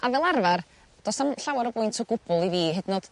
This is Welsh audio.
A fel arfar do's 'na'm llawar o bwynt o gwbwl i fi hyd yn o'd